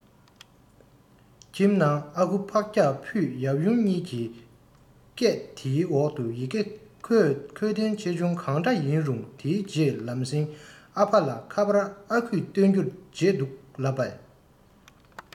ཁྱིམ ནང ཨ ཁུ ཕག སྐྱག ཕུད ཡབ ཡུམ གཉིས ཀྱི སྐད དེའི འོག ཏུ ཡི གེ ཁོས དོན ཆེ ཆུང གང འདྲ ཡིན རུང དེའི རྗེས ལམ སེང ཨ ཕ ལ ཁ པར ཨ ཁུས པར བཏོན རྒྱུ བརྗེད འདུག ལབ པས